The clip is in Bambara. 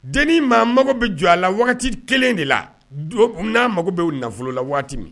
Denin maa mago bɛ jɔ a la waati kelen de la n'a mago bɛ nafolo la waati min